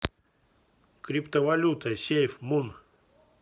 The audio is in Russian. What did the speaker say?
криптовалюта сейф мун